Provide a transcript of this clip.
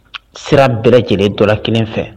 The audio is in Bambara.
Sira bɛɛ lajɛlen dɔ la 1 fɛ